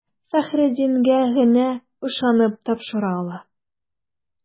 Фәхреддингә генә ышанып тапшыра ала.